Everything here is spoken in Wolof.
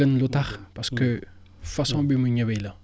gën lu tax parce que façon bi mu ñëwee la